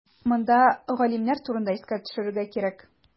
Монда галимнәр турында искә төшерергә кирәк.